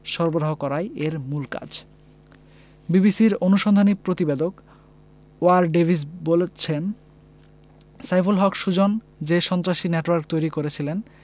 সরবরাহ করাই এর মূল কাজ বিবিসির অনুসন্ধানী প্রতিবেদক ওয়্যার ডেভিস বলছেন সাইফুল হক সুজন যে সন্ত্রাসী নেটওয়ার্ক তৈরি করেছিলেন